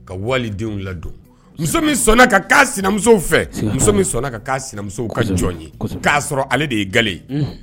Ka walidenw ladon muso min sɔnna'a sinamuso fɛ muso min sinamuso ka jɔn ye k'a sɔrɔ ale de ye ga